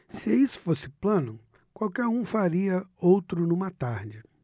se isso fosse plano qualquer um faria outro numa tarde